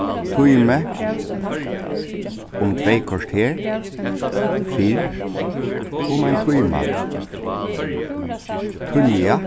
tími um tvey korter fyrr um ein tíma tíðliga